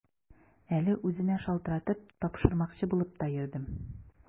Әле үзенә шалтыратып, тапшырмакчы булып та йөрдем.